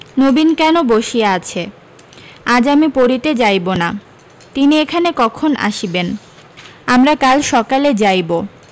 নবীন কেন বসিয়া আছে আমি আজ পড়িতে যাইব না তিনি এখানে কখন আসিবেন আমরা কাল সকালে যাইব